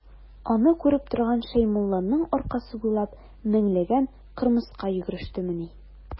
Аны күреп торган Шәймулланың аркасы буйлап меңләгән кырмыска йөгерештемени.